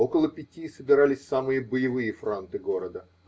Около пяти собирались самые боевые франты города